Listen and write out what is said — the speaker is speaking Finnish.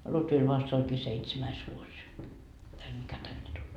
Lutvilla vasta olikin seitsemäs vuosi tällä mikä tänne tuli